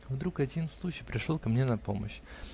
Вдруг один случай пришел ко мне на помощь.